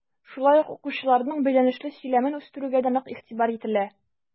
Шулай ук укучыларның бәйләнешле сөйләмен үстерүгә дә нык игътибар ителә.